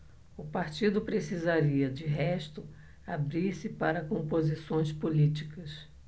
o partido precisaria de resto abrir-se para composições políticas